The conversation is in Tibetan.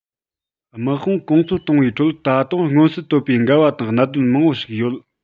དམག དཔུང གོང འཕེལ གཏོང བའི ཁྲོད ད དུང མངོན གསལ དོད པའི འགལ བ དང གནད དོན མང པོ ཞིག ཡོད